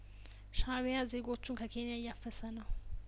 ሻእቢያዜጐቹን ከኬንያእያፈሰ ነው